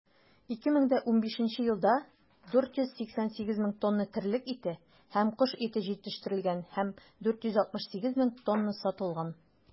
2015 елда 488 мең тонна терлек ите һәм кош ите җитештерелгән һәм 468 мең тонна сатылган.